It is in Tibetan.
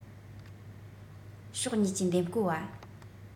ཕྱོགས གཉིས གྱི འདེམས སྐོ བ